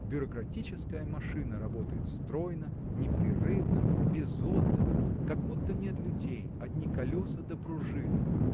бюрократическая машина работает стройно непрерывно без отдыха как будто нет людей – одни колеса да пружины.